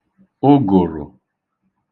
ụgụ̀rụ̀